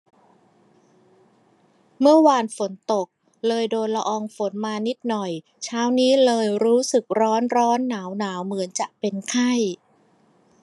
เมื่อวานฝนตกเลยโดนละอองฝนมานิดหน่อยเช้านี้เลยรู้สึกร้อนร้อนหนาวหนาวเหมือนจะเป็นไข้